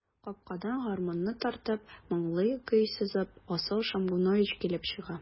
Капкадан, гармунын тартып, моңлы көй сызып, Асыл Шәмгунович килеп чыга.